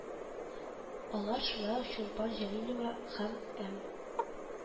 Алар шулай ук Чулпан Җәлилова һәм эМ